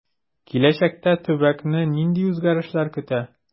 Киләчәктә төбәкне нинди үзгәрешләр көтә?